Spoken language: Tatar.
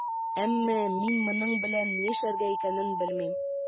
Әмма мин моның белән нишләргә икәнен белмим.